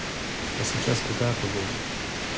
а сейчас какая погода